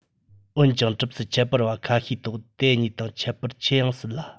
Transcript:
འོན ཀྱང གྲུབ ཚུལ ཁྱད པར ཅན ཁ ཤས ཐོག དེ གཉིས དང ཁྱད པར ཆེ ཡང སྲིད ལ